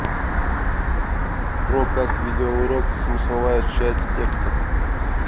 про как видеоурок смысловая часть текста